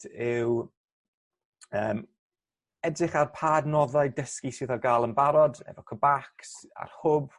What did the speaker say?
yw yym edrych ar pa adnoddau dysgu sydd ar ga'l yn barod efo Cybac s- ar hwb